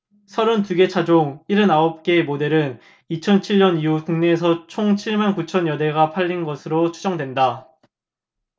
서른 두 개 차종 일흔 아홉 개 모델은 이천 칠 년 이후 국내에서 총 칠 만 구천 여대 팔린 것으로 추정된다